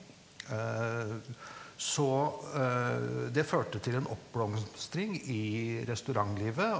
så det førte til en oppblomstring i restaurantlivet.